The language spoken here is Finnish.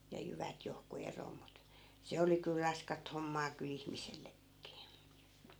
ja jyvät johonkin eroon mutta se oli kyllä raskasta hommaa kyllä ihmisellekin